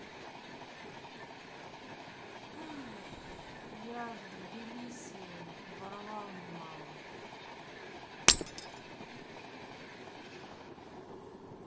я в тбилиси воровал немало